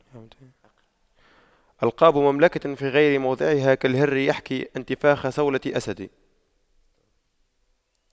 ألقاب مملكة في غير موضعها كالهر يحكي انتفاخا صولة الأسد